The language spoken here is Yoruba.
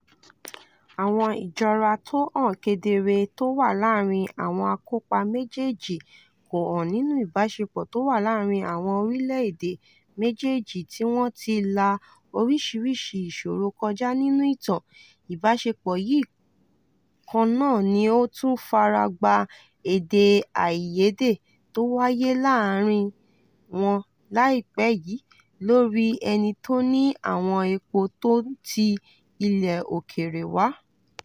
Àwon ìjọra tó hàn kedere tó wà láàárín àwọn akópa méjèèjì kò hàn nínú ìbáṣepọ̀ tó wà láàárín àwọn orílẹ̀ èdè méjèèjì tí wọn ti la oríṣiríṣi ìṣòro kọjá nínú ìtàn, ìbáṣepọ̀ yìí kan náà ni ó tún fara gbá èdè àìyédè tó wáyé láàárín wọn láìpẹ́ yìí lórí ẹni tó ni àwọn epo tó ń ti ilẹ̀ òkèèrè wá.